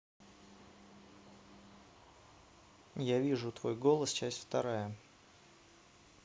я вижу твой голос часть вторая